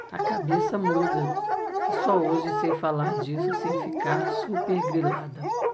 a cabeça muda e só hoje sei falar disso sem ficar supergrilada